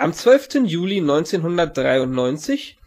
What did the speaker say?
12. Juli 1993